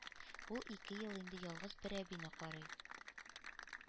Ул ике ел инде ялгыз бер әбине карый.